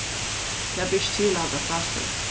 tað ber ikki til at halda frástøðu